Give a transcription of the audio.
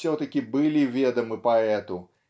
все-таки были ведомы поэту